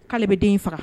K'ale bɛ den in faga